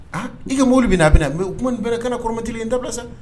Aa i ka mobili bɛ na a bɛ na mais kuma bɛna i kana kɔrɔmatigɛli nin dabila sa